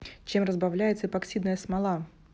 чем разбавляется эпоксидная смола